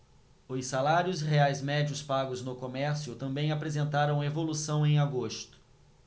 os salários reais médios pagos no comércio também apresentaram evolução em agosto